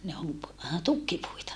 ne on tukkipuita